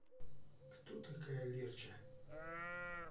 кто такая лерча